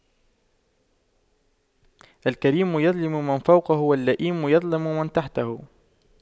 الكريم يظلم من فوقه واللئيم يظلم من تحته